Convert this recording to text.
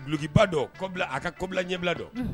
Bukiba dɔ kobila a ka kɔ bila ɲɛbila dɔn